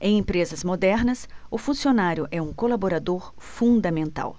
em empresas modernas o funcionário é um colaborador fundamental